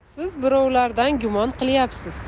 siz birovlardan gumon qilyapsiz